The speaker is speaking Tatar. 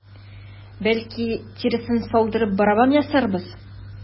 Бәлки, тиресен салдырып, барабан ясарбыз?